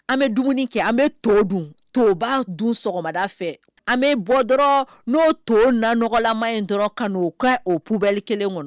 An bɛ dumuni kɛ an bɛ to dun toba dun sɔgɔmada fɛ an bɛ bɔ dɔrɔn n'o to na nɔgɔlama in dɔrɔn ka'o ka'oub kelen kɔnɔ